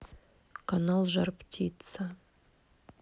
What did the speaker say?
канал жар птица